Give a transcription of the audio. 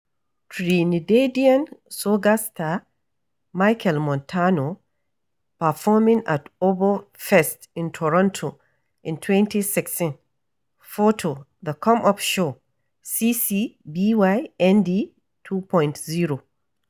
Trinidadian soca star Machel Montano performing at OVO Fest in Toronto in 2016. PHOTO: The Come Up Show (CC BY-ND 2.0)